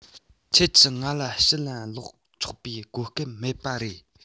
ཁྱེད ཀྱིས ང ལ ཞུ ལན བསློགས ཆོག པའི གོ སྐབས མེད པ རེད